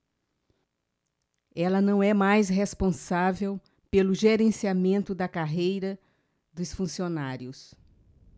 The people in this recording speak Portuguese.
ela não é mais responsável pelo gerenciamento da carreira dos funcionários